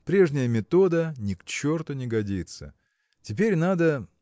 – прежняя метода ни к черту не годится. Теперь надо.